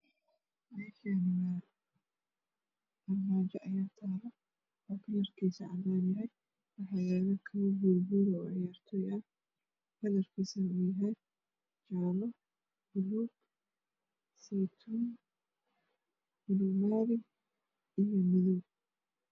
Meshaane waa ar maajo ayaa talo oo kalar kiis cadaan yahay waxaa yalo kab buud buud ah oo ciyaar toy ah kalar kiis ow yahay jaalo madow sey tuun bulug maari iyo madow